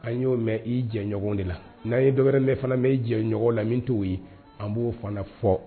An y'o mɛn i jɛ ɲɔgɔn de la n'an ye dɔwɛrɛlɛ fana bɛ jɛ ɲɔgɔn la min t' ye an b'o fana fɔ